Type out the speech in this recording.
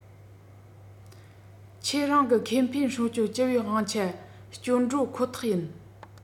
ཁྱེད རང གི ཁེ ཕན སྲུང སྐྱོང སྤྱི པའི དབང ཆ སྤྱོད འགྲོ ཁོ ཐག ཡིན